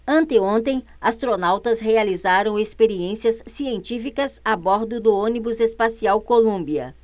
anteontem astronautas realizaram experiências científicas a bordo do ônibus espacial columbia